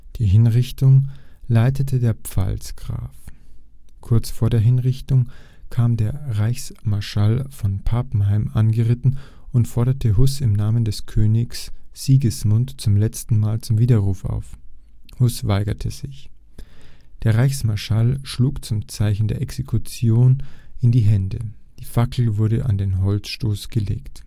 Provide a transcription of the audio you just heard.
Die Hinrichtung leitete der Pfalzgraf. Kurz vor der Hinrichtung kam der Reichsmarschall von Pappenheim angeritten und forderte Hus im Namen des Königs Sigismund zum letzten Mal zum Widerruf auf. Hus weigerte sich. „ Der Reichsmarschall schlug zum Zeichen der Exekution in die Hände. Die Fackel wurde an den Holzstoß gelegt